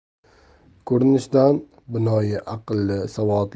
ko'rinishidan binoyi aqlli savodli